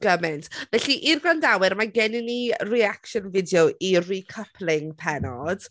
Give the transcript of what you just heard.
Gymaint! Felly, i'r gwrandawyr, mae gennyn ni reaction video i'r recoupling pennod.